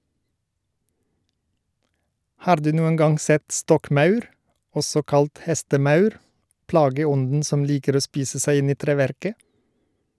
Har du noen gang sett stokkmaur, også kalt hestemaur , plageånden som liker å spise seg inn i treverket?